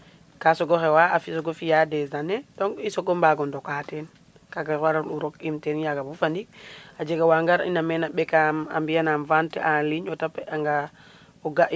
Kaa soog o xewaa a soog o fi'aa des années donc soog o mbaag o ndokaa ten kaaga waralu rok'iim ten yaaga bo fa ndiik a jega wa ngar'ina meen a ɓekaam a mbi'anam vente en ligne o tapé anga o ga'aa in